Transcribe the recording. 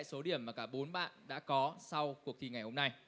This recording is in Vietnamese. số điểm mà cả bốn bạn đã có sáu cuộc thi ngày hôm nay